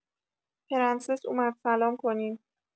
پرنسس اومد سلام کنین!